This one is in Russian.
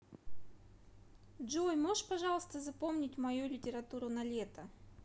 джой можешь пожалуйста запомнить мою литературу на лето